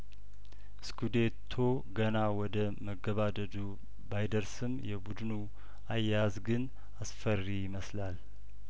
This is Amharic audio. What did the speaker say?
ስኩዴቶው ገና ወደ መገባደዱ ባይደርስም የቡድኑ አያያዝ ግን አስፈሪ ይመስላል